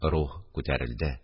Рух күтәрелде